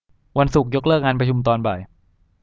วันศุกร์ยกเลิกงานประชุมตอนบ่าย